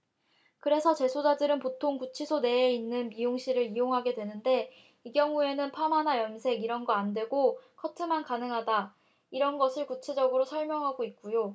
그래서 재소자들은 보통 구치소 내에 있는 미용실을 이용을 하게 되는데 이 경우에는 파마나 염색 이런 거 안 되고 커트만 가능하다 이런 것을 구체적으로 설명하고 있고요